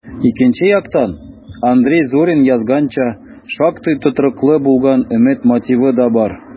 Икенче яктан, Андрей Зорин язганча, шактый тотрыклы булган өмет мотивы да бар: